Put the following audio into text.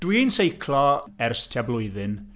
Dwi'n seiclo ers tua blwyddyn.